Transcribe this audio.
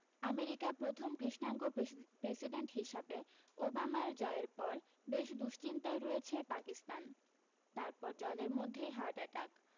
America প্রথম কৃষ্ণাঙ্গ presi president হিসাবে ওবামার জয়ের পর বেশ দুশ্চিন্তায় রয়েছে পাকিস্তান তারপর জলের মধ্যেই হার্ট অ্যাটাক